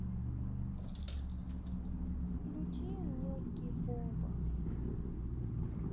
включи локи бобо